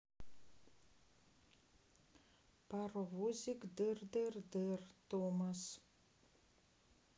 паровозик дыр дыр дыр томас